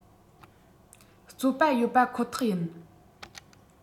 བརྩོད པ ཡོད པ ཁོ ཐག ཡིན